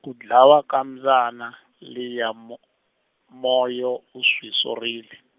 ku dlawa ka mbyana liya Mo-, Moyo u swi sorile.